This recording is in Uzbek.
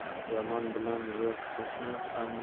yomon bilan yer qo'shni ham